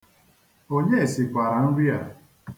Onye sikwara nri a?